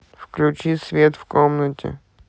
включи свет в комнате